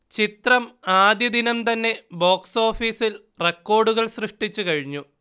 ചിത്രം ആദ്യദിനം തന്നെ ബോക്സ്ഓഫീസിൽ റെക്കോർഡുകൾ സൃഷ്ടിച്ച് കഴിഞ്ഞു